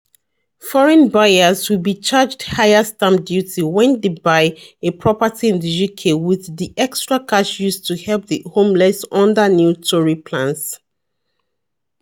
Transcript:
Foreign buyers will be charged higher stamp duty when they buy a property in the UK with the extra cash used to help the homeless under new Tory plans